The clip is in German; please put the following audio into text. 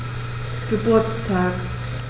Geburtstag